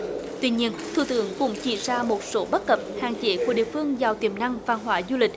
tuy nhiên thủ tướng cũng chỉ ra một số bất cập hạn chế của địa phương giàu tiềm năng văn hóa du lịch